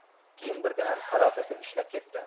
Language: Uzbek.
keyin birdan farosatim ishlab ketdi